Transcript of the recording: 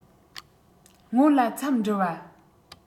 སྔོན ལ འཚམས འདྲི པ